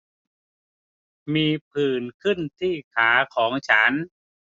มีผื่นขึ้นที่ขาของฉัน